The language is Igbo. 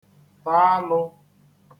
ta alụ̄